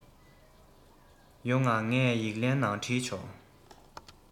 ཡོང ང ངས ཡིག ལན ནང བྲིས ཆོག